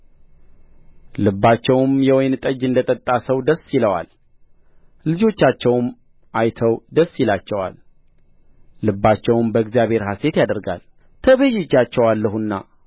ልባቸውም የወይን ጠጅ እንደ ጠጣ ሰው ደስ ይለዋል ልጆቻቸውም አይተው ደስ ይላቸዋል ልባቸውም በእግዚአብሔር ሐሤት ያደርጋል ተቤዥቼአቸዋለሁና